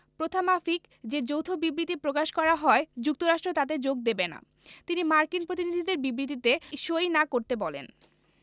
প্রথামাফিক যে যৌথ বিবৃতি প্রকাশ করা হয় যুক্তরাষ্ট্র তাতে যোগ দেবে না তিনি মার্কিন প্রতিনিধিদের বিবৃতিতে সই না করতে বলেন